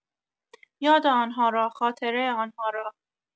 یاد آن‌ها را، خاطره آن‌ها را